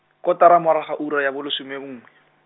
kotara morago ga ura ya bolesome nngwe.